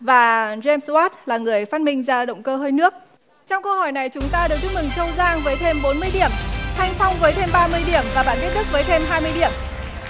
và rên oát là người phát minh ra động cơ hơi nước trong câu hỏi này chúng ta được chúc mừng châu giang với thêm bốn mươi điểm thanh phong với thêm ba mươi điểm và bạn viết đức với thêm hai mươi điểm